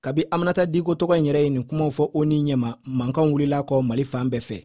kabi aminata dikko tɔgɔ in yɛrɛ ye nin kumaw fɔ onu ɲɛma mankanw wulila a kɔ mali fan bɛɛ fɛ